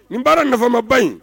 Nin baara nafamaba in